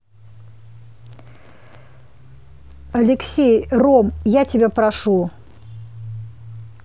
алексей ром я тебя прошу